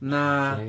Na.